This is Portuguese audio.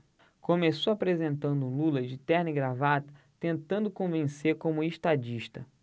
começou apresentando um lula de terno e gravata tentando convencer como estadista